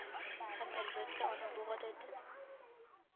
Һәм, әлбәттә, аның бу гадәте